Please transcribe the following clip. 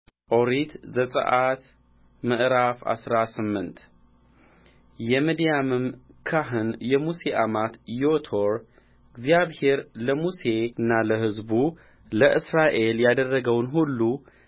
ኦሪት ዘጽአት ምዕራፍ አስራ ስምንት የምድያምም ካህን የሙሴ አማት ዮቶር እግዚአብሔር ለሙሴና ለሕዝቡ ለእስራኤል ያደረገውን ሁሉ